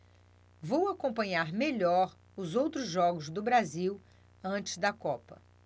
vou acompanhar melhor os outros jogos do brasil antes da copa